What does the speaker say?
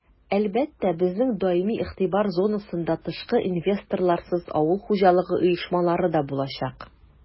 Әлбәттә, безнең даими игътибар зонасында тышкы инвесторларсыз авыл хуҗалыгы оешмалары да булачак.